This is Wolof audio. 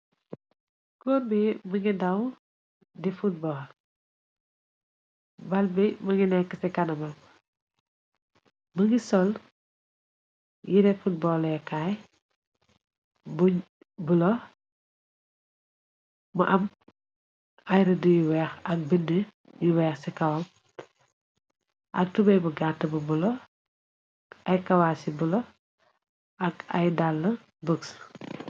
Cor bi bu ngi daw di tbo balbi mu ngi nekk ci kanaba ba ngi sol yire fotbol akaay bulo mu am ayra du yu weex ak bind yu weex ci kawal ak tubee bu gàrt ba bulo ay kawaasi bulo ak ay dàll boxs.